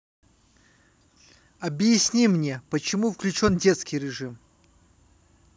объясни мне почему включен детский режим